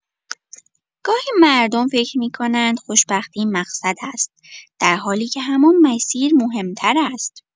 گاهی مردم فکر می‌کنند خوشبختی مقصد است، در حالی که همان مسیر مهم‌تر است.